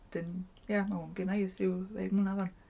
Wedyn, ie, ma' hwn genna i ers ryw ddeg mlynedd 'wan.